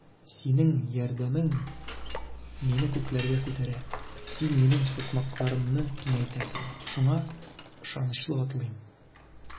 Синең ярдәмең мине күкләргә күтәрә, син минем сукмакларымны киңәйтәсең, шуңа ышанычлы атлыйм.